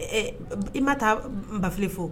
I ma taa n bafi fo